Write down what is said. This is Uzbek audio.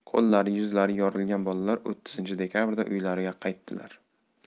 qo'llari yuzlari yorilgan bolalar o'ttizinchi dekabrda uylariga qaytdilar